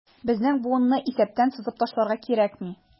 Безнең буынны исәптән сызып ташларга кирәкми.